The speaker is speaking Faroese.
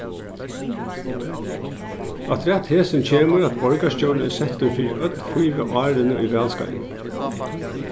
afturat hesum kemur at borgarstjórin er settur fyri øll fýra árini í valskeiðinum